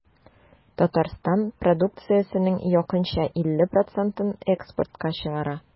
Татарстан продукциясенең якынча 50 процентын экспортка чыгара.